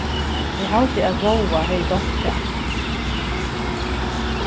eg haldi at róa hevði dámt tað